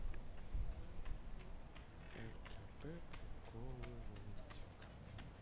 ртп приколы лунтик